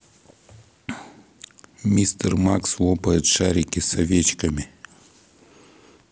мистер макс лопает шарики с овечками